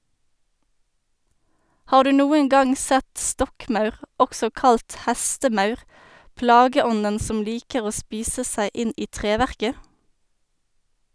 Har du noen gang sett stokkmaur, også kalt hestemaur, plageånden som liker å spise seg inn i treverket?